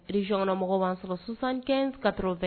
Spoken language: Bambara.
Riyɔnna mɔgɔ b'a sɔrɔ sisansan kɛ katobɛ